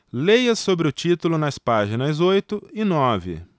leia sobre o título nas páginas oito e nove